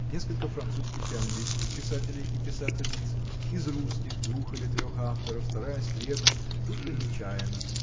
несколько французских и английских писателей и писательниц из русских двух или трех авторов стараясь при этом будто нечаянно